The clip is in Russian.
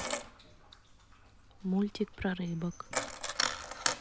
мультик про рыбок